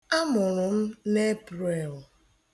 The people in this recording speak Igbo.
A mụrụ m n'Epreel.